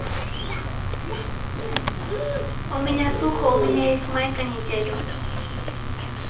у меня сухо у меня есть майка неделю